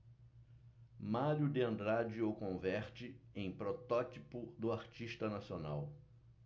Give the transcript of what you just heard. mário de andrade o converte em protótipo do artista nacional